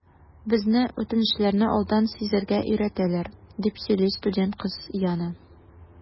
Безне үтенечләрне алдан сизәргә өйрәтәләр, - дип сөйли студент кыз Яна.